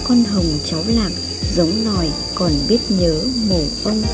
con hồng cháu lạc giống nòi còn biết nhớ mồ ông